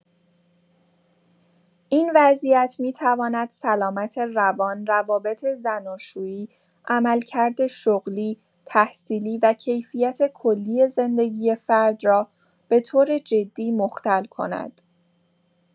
این وضعیت می‌تواند سلامت روان، روابط زناشویی، عملکرد شغلی، تحصیلی و کیفیت کلی زندگی فرد را به‌طور جدی مختل کند.